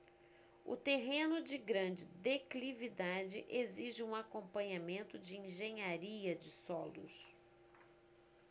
o terreno de grande declividade exige um acompanhamento de engenharia de solos